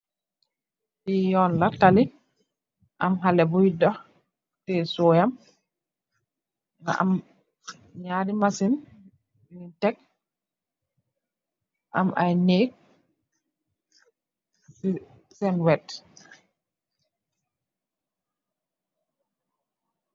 Li yuun la taali am xalex boi dox tiyeh siwoyam nga am naari machine yung teck am ay neeg sen weet.